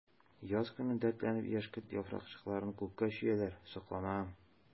Яз көне дәртләнеп яшькелт яфракчыкларын күккә чөяләр— сокланам.